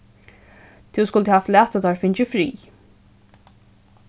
tú skuldi havt latið teir fingið frið